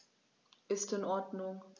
Ist in Ordnung.